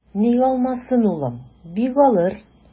Ник алмасын, улым, бик алыр.